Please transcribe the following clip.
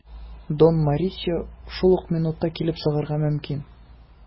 Дон Морисио шушы минутта килеп чыгарга мөмкин.